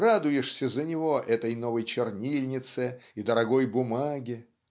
радуешься за него этой новой чернильнице и дорогой бумаге.